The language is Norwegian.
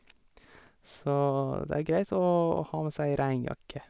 Så det er greit å ha med seg regnjakke.